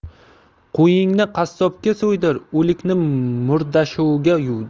qo'yingni qassobga so'ydir o'likni murdasho'ga yuvdir